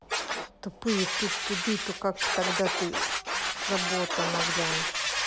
тупые тут туды то как тогда ты забота на глянь